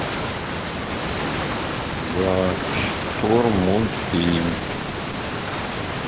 зак шторм мультфильм